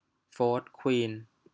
โฟธควีน